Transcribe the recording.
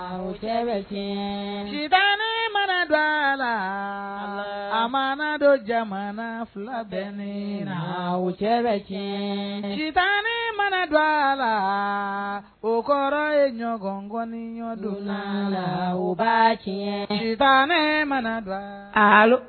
O cɛ kɛta mana dɔ a la mana dɔ jamana fila bɛ ne la o cɛ bɛ cɛta mana don a la o kɔrɔ ye ɲɔgɔn ŋɔni ɲɔgɔndon la la ba'a kɛ tan mana don